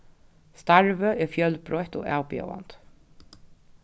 starvið er fjølbroytt og avbjóðandi